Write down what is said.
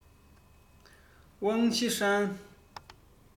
ཝང ཆི ཧྲན